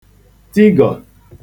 tigọ̀